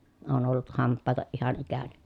olen ollut hampaaton ihan ikäni